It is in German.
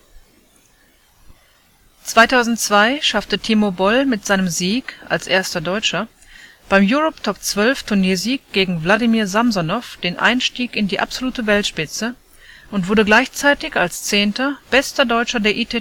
2002 schaffte Timo Boll mit seinem Sieg - als erster Deutscher - beim Europe TOP-12-Turniersieg gegen Wladimir Samsonow den Einstieg in die absolute Weltspitze und wurde gleichzeitig als Zehnter bester Deutscher der ITTF-Weltrangliste